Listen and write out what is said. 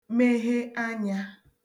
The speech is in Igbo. mehe anyā